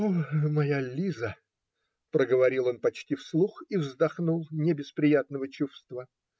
"О моя Лиза!" - проговорил он почти вслух и вздохнул не без приятного чувства.